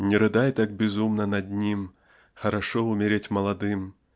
Не рыдай так безумно над ним; Хорошо умереть молодым!